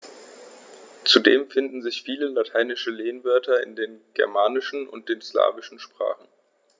Zudem finden sich viele lateinische Lehnwörter in den germanischen und den slawischen Sprachen.